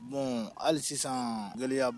Bon hali sisan gɛlɛya